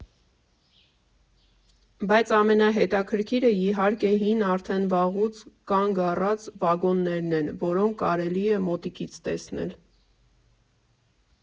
Բայց ամենահետաքրքիրը, իհարկե, հին, արդեն վաղուց կանգ առած վագոններն են, որոնք կարելի է մոտիկից տեսնել։